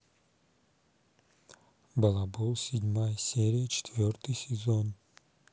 балабол седьмая серия четвертый сезон